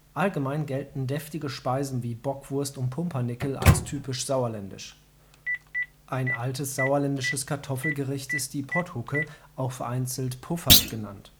Allgemein gelten deftige Speisen wie Bockwurst und Pumpernickel als typisch sauerländisch. Ein altes sauerländisches Kartoffelgericht ist die Potthucke, auch vereinzelt Puffert genannt